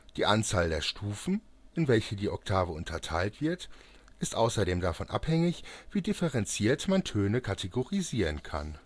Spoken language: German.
Die Anzahl der Stufen, in welche die Oktave unterteilt wird, ist außerdem davon abhängig, wie differenziert man Töne kategorisieren kann